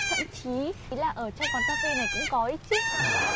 thậm chí ở trong quán cà phê này cũng có ý chứ